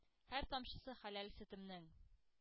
Һәр тамчысы хәләл сөтемнең;